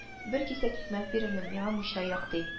– бер кисәк икмәк бирермен, миңа мунча як, – ди